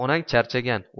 opang charchagan